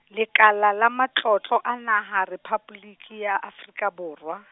Lekala la Matlotlo a Naha Rephaboliki ya Afrika Borwa.